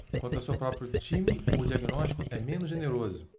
quanto ao seu próprio time o diagnóstico é menos generoso